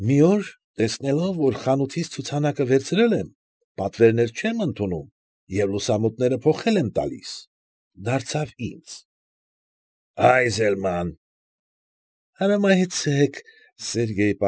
Մի օր, տեսնելով, որ խանութիս ցուցանակը վերցրել եմ, պատվերներ չեմ ընդունում և լուսամուտները փոխել եմ տալիս, դարձավ ինձ. ֊ Այզելմա՜ն։ ֊ Հրամայեցեք, Սերգեյ։